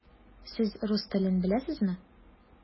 Сез рус телен беләсезме?